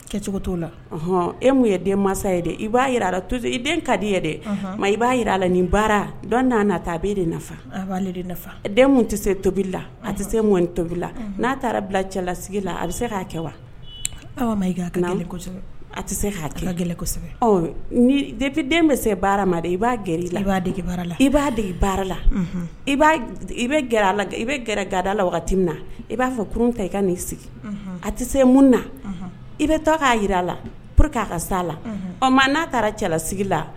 Kɛ cogo t' laɔn e mun ye den mansa ye dɛ i b'a jira to i den ka di ye dɛ mɛ i b'a jira a la ni baara dɔn n'a na taa a bɛ de nafa a b'a nafa den tɛ se tobili la a tɛ se mɔni tobili la n'a taara bila cɛlalasigi la a bɛ se k'a kɛ wa i a tɛ se k' ki gɛlɛn kosɛbɛ ni den bɛ se baara ma i b'a g i la i b'a dege baara la i b'a dege baara la i bɛ la i bɛ gɛrɛ gada la wagati min na i b'a fɔ kurun ta i ka nini sigi a tɛ se mun na i bɛ to k'a jira a la p a ka se a la ɔ n'a taara cɛlalasigi la